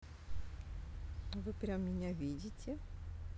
вы прям меня видите